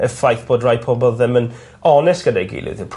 y ffaith bod rai pobol ddim yn onest gyda'i gilydd yw'r...